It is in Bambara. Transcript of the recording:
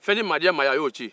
fɛnyemaadiyamaaye a y'o ci